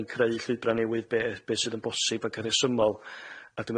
ni'n creu llwybra' newydd be- be sydd yn bosib ac yn resymol a dwi'n